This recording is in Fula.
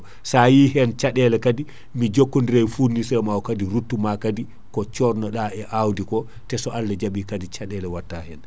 sa yi hen caɗele kaadi mi jokkodira e fournisseur am o kaadi ruttuma kaadi ko codno ɗa e awdi ko te so Allah jaaɓi kaadi caɗele watta hen